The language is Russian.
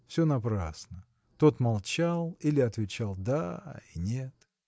Все напрасно: тот молчал или отвечал: да и нет.